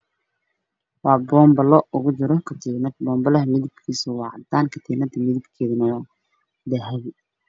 Waa boonbalo waxaa kujiro katiinad. Bonbalaha midabkiisu waa cadaan, katiinada waa dahabi.